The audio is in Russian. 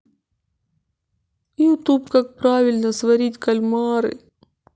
ютуб как правильно сварить кальмары